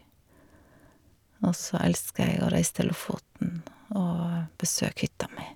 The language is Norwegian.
Og så elsker jeg å reise til Lofoten og besøke hytta mi.